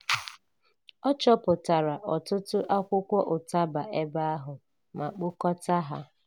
Ọ chọpụtara ọtụtụ akwụkwọ ụtaba ebe ahụ ma kpokọta ha.